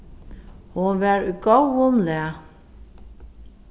hon var í góðum lag